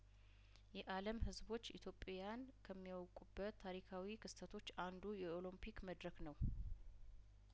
የአለም ህዝቦች ኢትዮጵያን ከሚያውቁበት ታሪካዊ ክስተቶች አንዱ የኦሎምፒክ መድረክ ነው